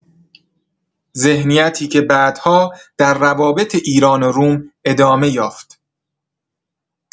ذهنیتی که بعدها در روابط ایران و روم ادامه یافت.